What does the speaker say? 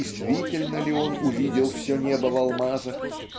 действительно ли он увидел все небо в алмазах